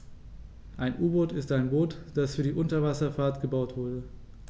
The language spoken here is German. Ein U-Boot ist ein Boot, das für die Unterwasserfahrt gebaut wurde.